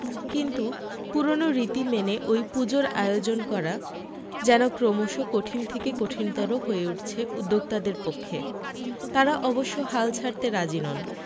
কিন্তু পুরানো রীতি মেনে ওই পূজোর আয়োজন করা যেন ক্রমশি কঠিন থেকে কঠিনতর হয়ে উঠছে উদ্যোক্তাদের পক্ষে তাঁরা অবশ্য হাল ছাড়তে রাজি নন